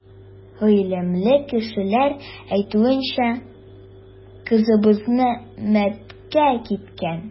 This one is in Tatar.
Гыйлемле кешеләр әйтүенчә, кызыбыз мәрткә киткән.